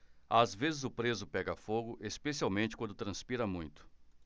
às vezes o preso pega fogo especialmente quando transpira muito